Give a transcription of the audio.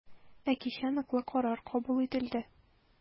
Ә кичә ныклы карар кабул ителде.